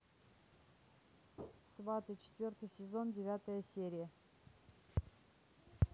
сваты четвертый сезон девятая серия